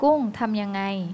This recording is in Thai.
ข้าวผัดกุ้งทำยังไง